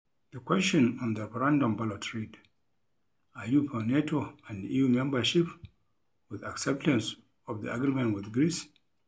The question on the referendum ballot read: "Are you for NATO and EU membership with acceptance of the agreement with Greece."